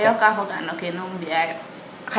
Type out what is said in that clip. kanja yo ka foga no ke nu mbiya yo